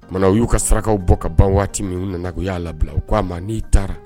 O kuma na u yu ka sarakaw bɔ ka ban waati min , u nana u ya labila u ka ma ni taara